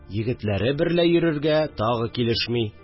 Егетләре берлә йөрергә тагы килешми